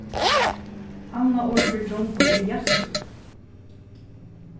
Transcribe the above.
annað orð fyri drongur er jassur